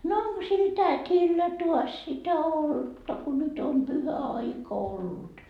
no onko sillä tädillä taas sitä olutta kun nyt on pyhäaika ollut